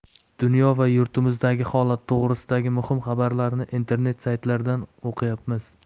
dunyo va yurtimizdagi holat to'g'risidagi muhim xabarlarni internet saytlardan o'qiyapmiz